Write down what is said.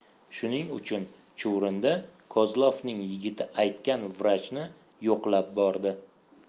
shuning uchun chuvrindi kozlovning yigiti aytgan vrachni yo'qlab bordi